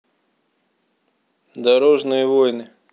дорожные войны